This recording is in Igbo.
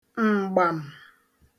m̀gbam